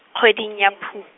kgweding ya Phu-.